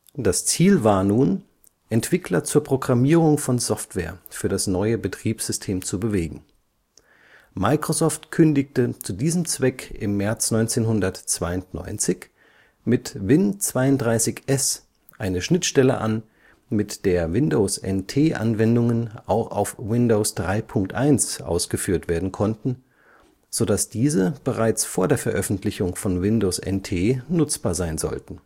Das Ziel war nun, Entwickler zur Programmierung von Software für das neue Betriebssystem zu bewegen. Microsoft kündigte zu diesem Zweck im März 1992 mit Win32s eine Schnittstelle an, mit der Windows-NT-Anwendungen auch auf Windows 3.1 ausgeführt werden konnten, sodass diese bereits vor der Veröffentlichung von Windows NT nutzbar sein sollten